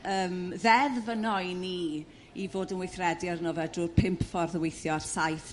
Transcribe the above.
yrm ddeddf yno i ni i fod yn weithredu arno fe drw'r pump ffordd o weithio ar saith